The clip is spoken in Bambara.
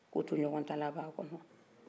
ko toɲɔgɔntala b' a kɔnɔ